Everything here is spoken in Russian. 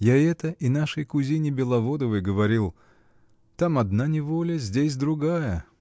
Я это и нашей кузине Беловодовой говорил: там одна неволя, здесь другая.